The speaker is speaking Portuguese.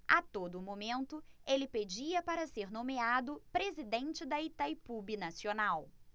a todo momento ele pedia para ser nomeado presidente de itaipu binacional